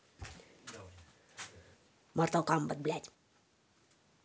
mortal kombat блядь